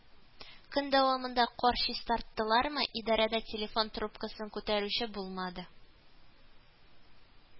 Көн дәвамында кар чистарттылармы, идарәдә телефон трубкасын күтәрүче булмады